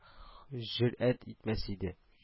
Җөрьәт итмәс иде